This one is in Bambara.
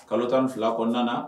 Kalo 12 kɔnɔna na